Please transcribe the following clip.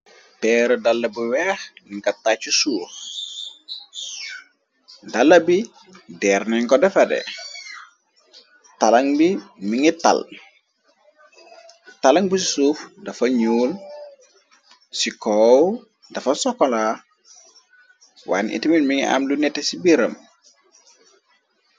Peerë dalla bu weex li nga taayci suuf dala bi deerne ko defade talan bi mi ngi tàl talan bi ci suuf dafa ñuul ci koow dafa sokola waane itamil mi ngi am lu nett ci biram.